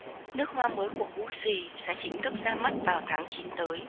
nước hoa mới của gucci sẽ chính thức ra mắt vào tháng chín tới